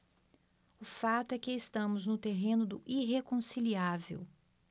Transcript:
o fato é que estamos no terreno do irreconciliável